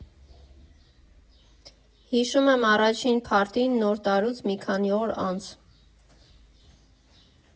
Հիշում եմ առաջին փարթին, Նոր տարուց մի քանի օր անց։